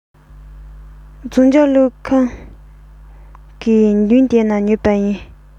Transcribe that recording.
རྫོང རྒྱབ ཀླུ ཁང གི མདུན དེ ནས ཉོས པ ཡིན